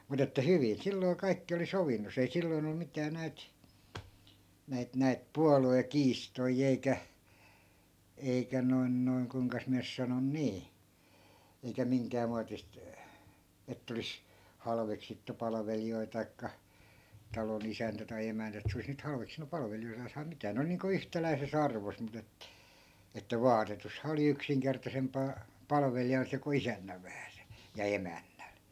mutta että hyvin silloin kaikki oli sovinnossa ei silloin ollut mitään näitä näitä näitä puoluekiistoja eikä eikä noin noin kuinkas minä nyt sanon niin eikä minkään muotista että olisi halveksittu palvelijoita tai talon isäntä tai emäntä että se olisi nyt halveksinut palvelijoitaan tai mitään ne oli niin kuin yhtäläisessä arvossa mutta - että vaatetushan oli yksinkertaisempaa palvelijalla se kuin isännällä vähäisen ja emännällä